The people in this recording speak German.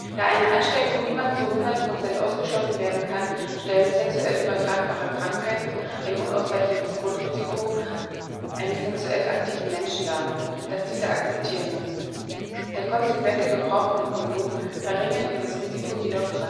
Da eine Ansteckung niemals zu 100% ausgeschlossen werden kann, stellen sexuell übertragbare Krankheiten ein unausweichliches Grundrisiko eines sexuell aktiven Menschen dar, das dieser akzeptieren muss (s. aber Asexualität). Der konsequente Gebrauch von Kondomen verringert dieses Risiko jedoch